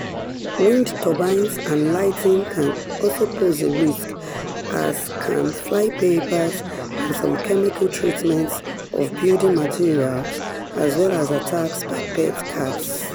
Wind turbines and lighting can also pose a risk, as can flypapers and some chemical treatments of building materials, as well as attacks by pet cats.